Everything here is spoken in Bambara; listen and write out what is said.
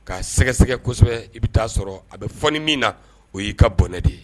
Ka sɛgɛsɛgɛ kosɛbɛ i bɛ taa sɔrɔ a bɛ fɔɔni min na o y'i ka bɔnɛ de ye.